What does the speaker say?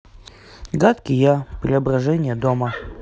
гадкий я преображение дома